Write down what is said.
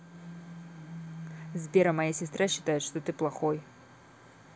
сбер а моя сестра считает что ты плохой